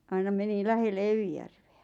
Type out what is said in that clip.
aina meni lähelle Evijärveä